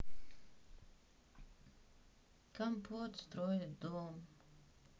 компот строит дом